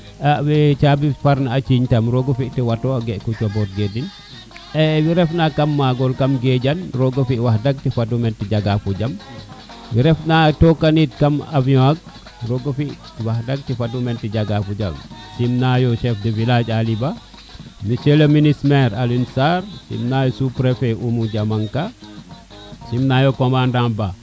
a we cabi farna a ciiy tam roga fi te wat a ngar fo cabot ke den we ref na kam magole kam kam gejan raga fi te jega fo jam we refna toka ne kam avion roga fi de njega fo jam sim nayo Chef du village Aly Ba Monsieur le ministre maire Aline sarr sim nayo sous prefet Oumou jamnaka sim nayo commandant ba